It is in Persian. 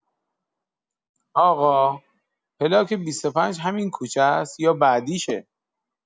آقا، پلاک ۲۵ همین کوچه‌ست یا بعدیشه؟